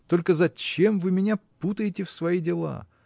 Только зачем вы меня путаете в свои дела?